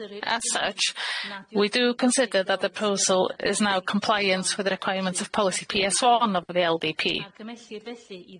As such, we do consider that the proposal is now compliant with the requirement of policy Pee Ess One of the El Dee Pee.